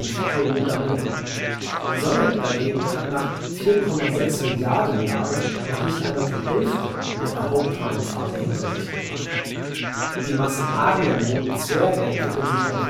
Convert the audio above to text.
100.000-fache oder mehr. Die Sonne dagegen hat nach 4,6 Milliarden Jahren noch nicht einmal die Hälfte ihrer Hauptreihenphase hinter sich gebracht. Die massenarmen Roten Zwerge entwickeln sich noch